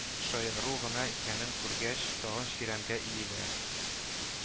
Шаяру гына икәнен күргәч, тагын чирәмгә иелә